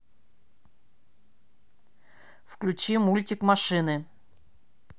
включи мультик машины